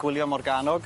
Gwylio Morgannwg.